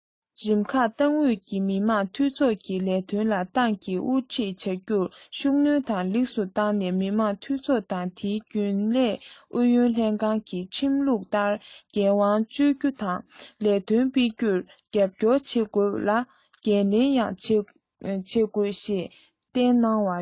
རིམ ཁག ཏང ཨུད ཀྱིས མི དམངས འཐུས ཚོགས ཀྱི ལས དོན ལ ཏང གིས འགོ ཁྲིད བྱ རྒྱུར ཤུགས སྣོན དང ལེགས སུ བཏང ནས མི དམངས འཐུས ཚོགས དང དེའི རྒྱུན ལས ཨུ ཡོན ལྷན ཁང གིས ཁྲིམས ལུགས ལྟར འགན དབང སྤྱོད རྒྱུ དང ལས དོན སྤེལ རྒྱུར རྒྱབ སྐྱོར བྱེད དགོས ལ འགན ལེན ཡང བྱེད དགོས ཞེས བསྟན གནང བ རེད